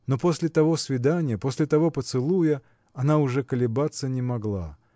но после того свидания, после того поцелуя -- она уже колебаться не могла